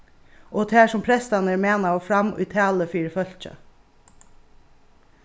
og tær sum prestarnir manaðu fram í talu fyri fólkið